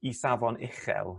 i safon uchel